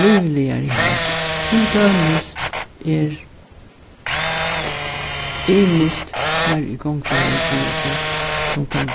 liviligari har til dømis er ymiskt farið í gongd í mykinesi sum kann